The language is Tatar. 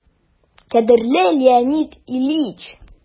«кадерле леонид ильич!»